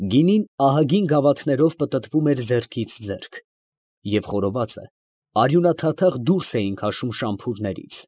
Գինին ահագին գավաթներով պտտվում էր ձեռքից ձեռք, և խորովածը արյունաթաթախ դուրս էին քաշում շամփուրներից։